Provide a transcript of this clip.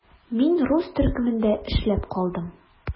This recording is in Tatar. Мин рус төркемендә эшләп калдым.